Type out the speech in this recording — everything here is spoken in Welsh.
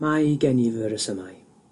Mae gen i fy resymau.